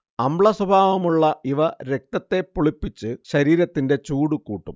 അമ്ലസ്വഭാവമുള്ള ഇവ രക്തത്തെ പുളിപ്പിച്ച് ശരീരത്തിന്റെ ചൂടു കൂട്ടും